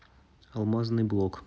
алмазный блок